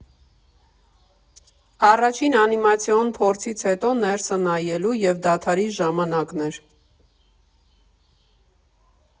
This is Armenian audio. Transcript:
Առաջին անիմացիոն փորձից հետո ներսը նայելու և դադարի ժամանակն էր։